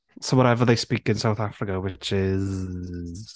So whatever they speak in South Africa, which is...